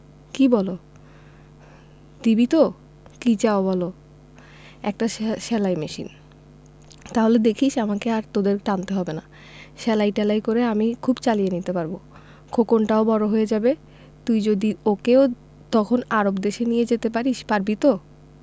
কি বলো দিবি তো কি চাও বলো একটা সেলাই মেশিন তাহলে দেখিস আমাকে আর তোদের টানতে হবে না সেলাই টেলাই করে আমি খুব চালিয়ে নিতে পারব খোকনটাও বড় হয়ে যাবে তুই যদি ওকেও তখন আরব দেশে নিয়ে যেতে পারিস পারবি ত